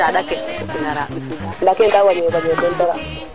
so ndiiki mun tolwa kan mbiya kaga wala pour jour jour nu mbiyano yo